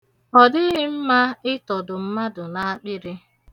Ọdịghị mma ịtọdo mmadụ n'akpịrị.